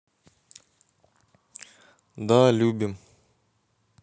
да любим